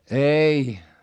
ei